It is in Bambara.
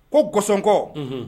Ko gosɔnkɔ